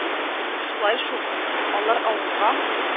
Шулай шул, алар авылга